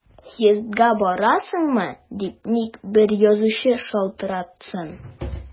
Съездга барасыңмы дип ник бер язучы шалтыратсын!